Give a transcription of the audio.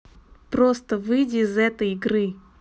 просто выйди из этой игры